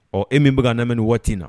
Ɔ e min bɛ ka n lamɛ ni waati in na